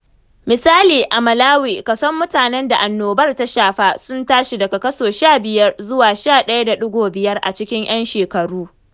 Misali, a Malawi kason mutanen da annobar ta shafa sun tashi daga kaso 15% zuwa 11.5 a cikin 'yan shekaru.